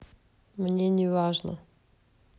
мне не важно